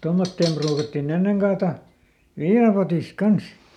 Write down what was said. tuommoiseen pruukattiin ennen kaataa viinapotista kanssa